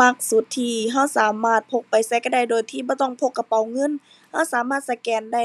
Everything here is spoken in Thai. มักสุดที่เราสามารถพกไปไสเราได้โดยที่บ่ต้องพกกระเป๋าเงิน เราสามารถสแกนได้